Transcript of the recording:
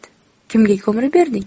kimga ko'mir berding